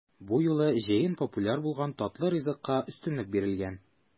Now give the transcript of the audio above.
Бу юлы җәен популяр булган татлы ризыкка өстенлек бирелгән.